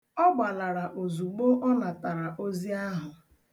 Ọ gbalara ozugbo ọ natara ozi ahụ.